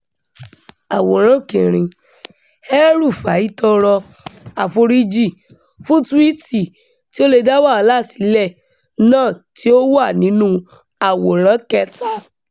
Àwòrán 4: El-Rufai tọrọ àforíjì fún túwíìtì “tí ó lè dá wàhálà sílẹ̀” náà tí ó wà ń'nú Àwòrán 3.